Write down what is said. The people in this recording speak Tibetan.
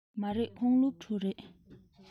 མ རེད ཁོང སློབ ཕྲུག རེད